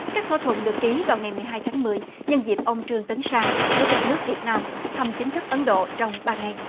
các thỏa thuận được ký vào ngày mười hai tháng mười nhân dịp ông trương tấn sang chủ tịch nước việt nam thăm chính thức ấn độ trong ba ngày